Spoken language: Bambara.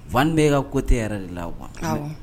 Wa bɛ ka ko tɛ yɛrɛ de la wa